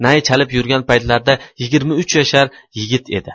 nay chalib yurgan paytlarida yigirma uch yashar yigit edi